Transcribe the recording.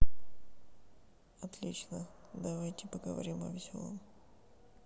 отлично давайте поговорим о веселом